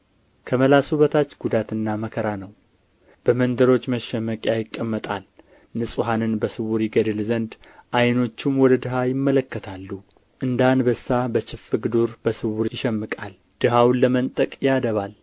ከምላሱ በታች ጉዳትና መከራ ነው በመንደሮች መሸመቅያ ይቀመጣል ንጹሓንን በስውር ይገድል ዘንድ ዓይኖቹም ወደ ድኃ ይመለከታሉ እንደ አንበሳ በችፍግ ዱር በስውር ይሸምቃል